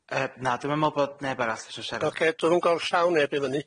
Yy na, dwi'm yn me'wl bod neb arall isie siarad... Ocê, dw'm yn gwel' llaw neb i fyny.